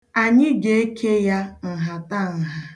Anyị ga-eke ya nhatanha.